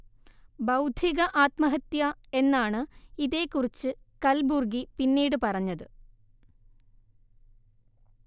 'ബൗദ്ധിക ആത്മഹത്യ' എന്നാണ് ഇതേകുറിച്ച് കൽബുർഗി പിന്നീട് പറഞ്ഞത്